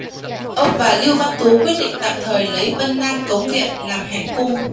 ông và lưu văn tú quyết định tạm thời lấy vân nam cống viện làm hành cung